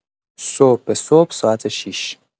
صبح به صبح ساعت ۶